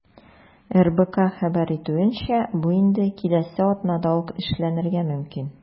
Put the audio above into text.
РБК хәбәр итүенчә, бу инде киләсе атнада ук эшләнергә мөмкин.